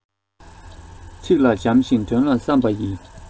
ཚིག ལ མཇལ ཞིང དོན ལ བསམ པ ཡིས